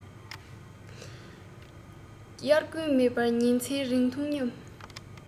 དབྱར དགུན མེད པར ཉིན མཚན རིང འཐུང སྙོམས